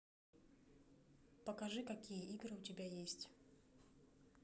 покажи какие игры у тебя есть